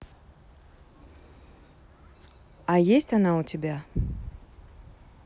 а есть она у тебя